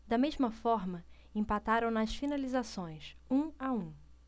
da mesma forma empataram nas finalizações um a um